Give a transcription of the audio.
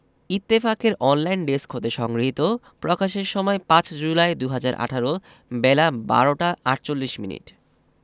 ইত্তেফাকের online desk হতে সংগৃহীত প্রকাশের সময় ৫ জুলাই ২০১৮ বেলা১২টা ৪৮ মিনিট